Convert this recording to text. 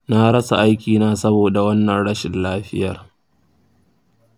na rasa aikina saboda wannan rashin lafiyar.